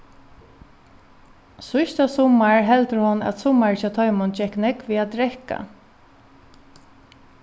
síðsta summar heldur hon at summarið hjá teimum gekk nógv við at drekka